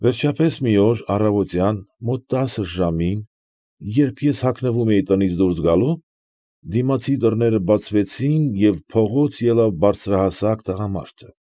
Վերջապես մի օր, առավոտյան մոտ տասը ժամին երբ ես հագնվում էի տնից դուրս գալու, դիմացի դռները բացվեցին և փողոց ելավ բարձրահասակ տղամարդը։